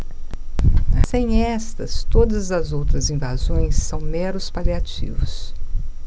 sem estas todas as outras invasões são meros paliativos